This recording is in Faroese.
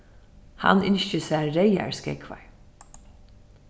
hann ynskir sær reyðar skógvar